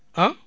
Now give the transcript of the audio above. ah